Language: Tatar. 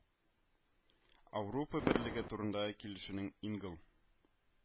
Аурупа Берлеге турындагы килешүнең ингл